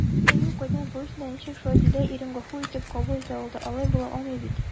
«бәхеткә юл кайдан» повестенда ничек шулай дилә ирен гафу итеп кабул итә алды, алай була алмый бит?»